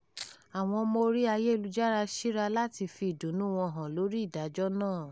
Àwọn ọmọ orí ayélujára ṣíra láti fi ìdùnnúu wọn hàn lóríi ìdájọ́ náà.